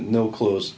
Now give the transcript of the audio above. No clues.